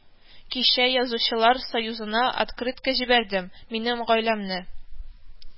Кичә Язучылар союзына открытка җибәрдем, минем гаиләмне